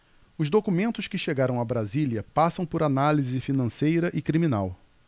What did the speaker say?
os documentos que chegaram a brasília passam por análise financeira e criminal